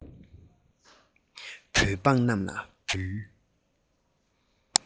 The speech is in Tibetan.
བོད འབངས རྣམས ལ ཕུལ